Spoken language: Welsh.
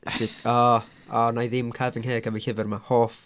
Sydd o, o wna i ddim cau fy ngheg am y llyfr yma hoff...